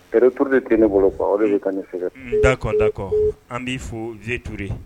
Kɛlɛretour de tɛ ne bolo o de ka sɛ dada kɔ an b'i fɔ zeturri